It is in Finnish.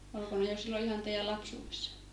oliko ne jo silloin ihan teidän lapsuudessa